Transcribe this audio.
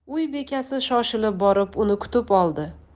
uy bekasi shoshilib borib uni kutib oldi